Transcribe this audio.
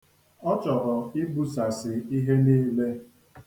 Ọ chọrọ ibusasi ihe niile.